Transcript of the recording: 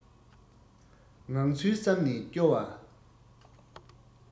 ངང ཚུལ བསམ ནས སྐྱོ བ